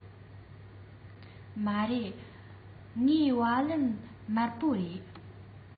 མ རེད ངའི བ ལན དམར པོ རེད